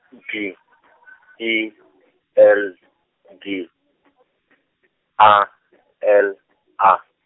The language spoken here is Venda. D I L D A L A.